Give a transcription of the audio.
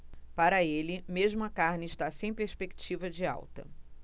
para ele mesmo a carne está sem perspectiva de alta